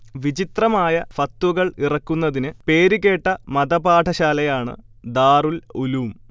വിചിത്രമായ ഫത്വകൾ ഇറക്കുന്നതിന് പേര് കേട്ട മതപാഠശാലയാണ് ദാറുൽഉലൂം